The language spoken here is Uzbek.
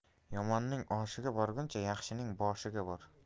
yomonning oshiga borguncha yaxshining ishiga bor